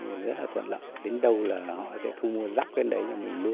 rất là thuận lợi đến đâu là họ sẽ thu mua giắc đến đấy cho mình luôn